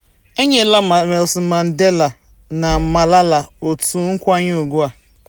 E nyela Nelson Mandela na Malala otu nkwanye ùgwù a.